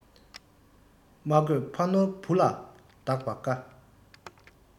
མ བཀོད ཕ ནོར བུ ལ བདག པ དཀའ